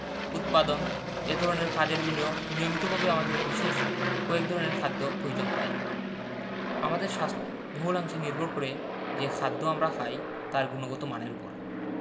উৎপাদন এ ধরনের কাজের জন্য নিয়মিতভাবে আমাদের বিশেষ কয়েক ধরনের খাদ্য প্রয়োজন হয় আমাদের স্বাস্থ্য বহুলাংশে নির্ভর করে যে খাদ্য আমরা খাই তার গুণগত মানের ওপর